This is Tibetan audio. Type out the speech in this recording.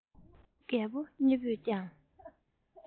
རྒད པོ གཉིས པོས ཀྱང